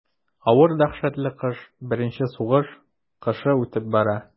Авыр дәһшәтле кыш, беренче сугыш кышы үтеп бара.